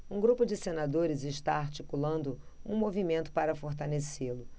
um grupo de senadores está articulando um movimento para fortalecê-lo